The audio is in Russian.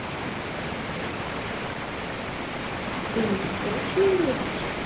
а ты меня точно любишь